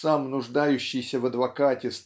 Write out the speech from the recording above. сам нуждающийся в адвокате